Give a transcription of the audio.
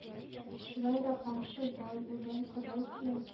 Шулай да, камчы, бай, үлем, ходай дигән